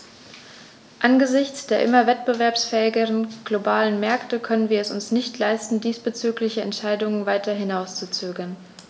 Angesichts der immer wettbewerbsfähigeren globalen Märkte können wir es uns nicht leisten, diesbezügliche Entscheidungen weiter hinauszuzögern.